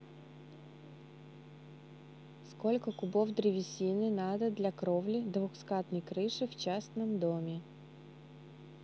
сколько кубов древесины надо для кровли двухскатной крыше в частном доме